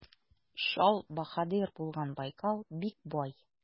Чал баһадир булган Байкал бик бай.